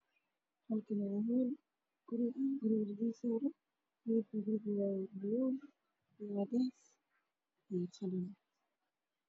Halkan oo howl dad ayaa ku dhex jiro midadkiisana waa caddaani madow